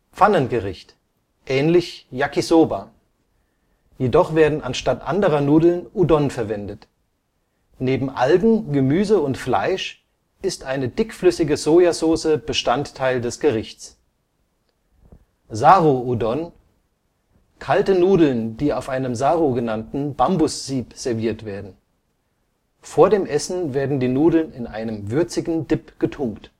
Pfannengericht, ähnlich Yakisoba, jedoch werden anstatt anderer Nudeln Udon verwendet. Neben Algen, Gemüse und Fleisch ist eine dickflüssige Sojasauce Bestandteil des Gerichts. Zaru Udon (ざるうどん): Kalte Nudeln, die auf einem Zaru genannten Bambussieb serviert werden. Vor dem Essen werden die Nudeln in einen würzigen Dip getunkt